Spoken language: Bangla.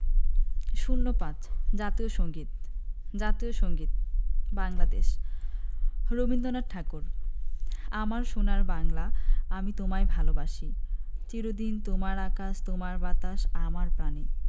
০৫ জাতীয় সংগীত জাতীয় সংগীত বাংলাদেশ রবীন্দনাথ ঠাকুর আমার সোনার বাংলা আমি তোমায় ভালোবাসি চির দিন তোমার আকাশ তোমার বাতাস আমার প্রাণে